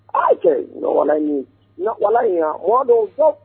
Ayi cɛ nawa nawa in hɔ don ko